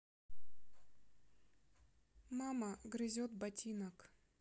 мама грызет ботинок